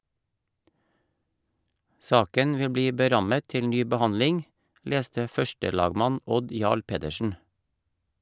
Saken vil bli berammet til ny behandling , leste førstelagmann Odd Jarl Pedersen.